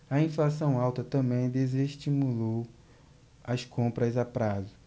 a inflação alta também desestimulou as compras a prazo